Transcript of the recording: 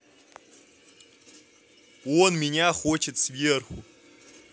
он меня хочет сверху